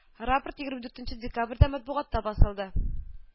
Рапорт егерме дүртенче декабрьдә матбугатта басылды